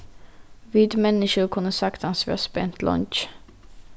vit menniskju kunnu saktans vera spent leingi